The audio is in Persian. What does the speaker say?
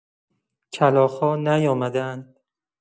کلاغ‌ها نیامده‌اند.